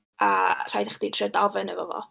A rhaid i chdi trio dal fyny efo fo.